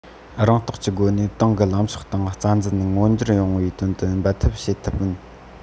རང རྟོགས ཀྱི སྒོ ནས ཏང གི ལམ ཕྱོགས དང རྩ འཛིན མངོན འགྱུར ཡོང བའི དོན དུ འབད འཐབ བྱེད ཐུབ མིན